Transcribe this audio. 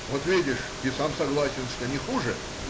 — Вот видишь, и сам согласен, что не хуже?